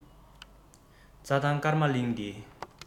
རྩ ཐང སྐར མ གླིང འདི